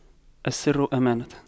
السر أمانة